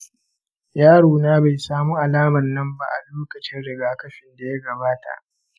yaro na bai samu alamar nan ba a lokacin yaƙin rigakafin da ya gabata.